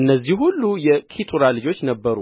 እነዚህ ሁሉ የኬጡራ ልጆች ነበሩ